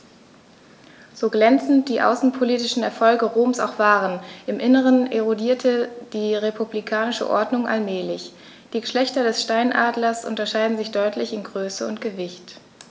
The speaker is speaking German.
So glänzend die außenpolitischen Erfolge Roms auch waren: Im Inneren erodierte die republikanische Ordnung allmählich. Die Geschlechter des Steinadlers unterscheiden sich deutlich in Größe und Gewicht.